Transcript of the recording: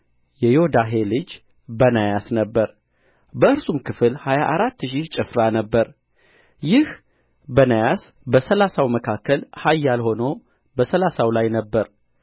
የዮዳሄ ልጅ በናያስ ነበረ በእርሱም ክፍል ሀያ አራት ሺህ ጭፍራ ነበረ ይህ በናያስ በሠላሳው መካከል ኃያል ሆኖ በሠላሳው ላይ ነበረ